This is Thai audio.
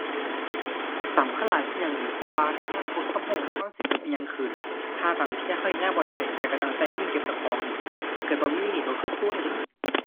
สำคัญหลายคือหยังหนิ เพราะว่าในอนาคตเราบ่เราว่าสิเกิดอิหยังขึ้น ถ้าบางเที่ยเราเฮ็ดงานบ่ได้แล้วเราต้องเราเงินเก็บเจ้าของหนิ ถ้าเกิดบ่มีนี่ก็คือซวยเดะ